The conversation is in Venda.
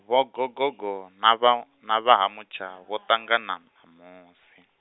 vho Gogogo na vha, na vha Ha Mutsha, vho ṱangana ṋamusi.